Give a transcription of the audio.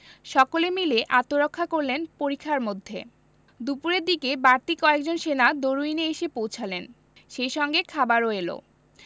সকলে মিলে আত্মরক্ষা করলেন পরিখার মধ্যে দুপুরের দিকে বাড়তি কয়েকজন সেনা দরুইনে এসে পৌঁছালেন সেই সঙ্গে খাবারও এলো